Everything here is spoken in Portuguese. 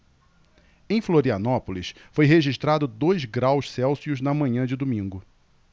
em florianópolis foi registrado dois graus celsius na manhã de domingo